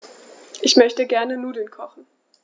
Ich möchte gerne Nudeln kochen.